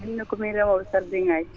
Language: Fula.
minne kimin reemoɓe sardiŋŋaji,